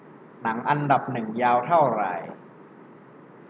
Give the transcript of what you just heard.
หนังอันดับหนึ่งยาวเท่าไหร่